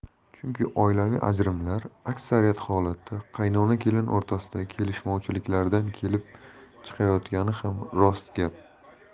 chunki oilaviy ajrimlar aksariyat holatda qaynona kelin o'rtasidagi kelishmovchiliklardan kelib chiqayotgani ham rost gap